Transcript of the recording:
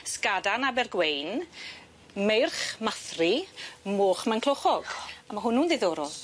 Scadan Abergwein Meirch Mathri Moch Maenclochog. A ma' hwnnw'n ddiddorol.